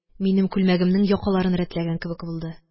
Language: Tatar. Минем күлмәгемнең якаларын рәтләгән кебек булды